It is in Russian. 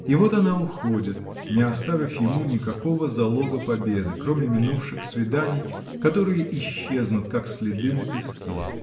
И вот она уходит, не оставив ему никакого залога победы, кроме минувших свиданий, которые исчезнут, как следы на песке.